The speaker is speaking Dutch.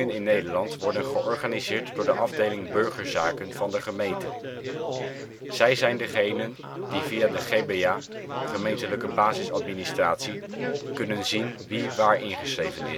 in Nederland worden georganiseerd door de afdeling burgerzaken van de gemeente. Zij zijn diegene die via de GBA (gemeentelijke basis administratie) kunnen zien wie waar ingeschreven